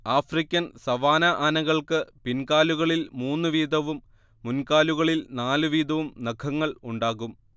African savanna ആനകൾക്ക് പിൻകാലുകളിൽ മൂന്നു വീതവും മുൻകാലുകളിൽ നാലു വീതവും നഖങ്ങൾ ഉണ്ടാകും